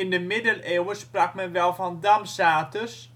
de Middeleeuwen sprak men wel van Damsaters